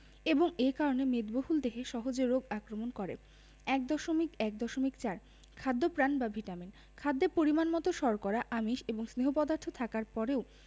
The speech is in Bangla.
এবং এ কারণে মেদবহুল দেহে সহজে রোগ আক্রমণ করে ১.১.৪ খাদ্যপ্রাণ বা ভিটামিন খাদ্যে পরিমাণমতো শর্করা আমিষ এবং স্নেহ পদার্থ থাকার পরেও